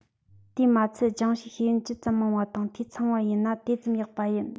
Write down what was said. དེས མ ཚད སྦྱང བྱའི ཤེས ཡོན ཇི ཙམ མང བ དང འཐུས ཚང བ ཡིན ན དེ ཙམ ཡག པ ཡིན